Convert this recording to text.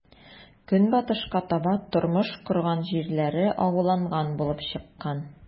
Көнбатышка таба тормыш корган җирләре агуланган булып чыккан.